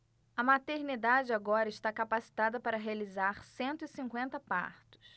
a maternidade agora está capacitada para realizar cento e cinquenta partos